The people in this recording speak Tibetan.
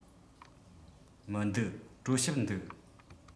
མི འདུག གྲོ ཞིབ འདུག